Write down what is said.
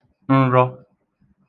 nrọ